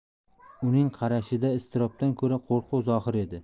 uning qarashida iztirobdan ko'ra qo'rquv zohir edi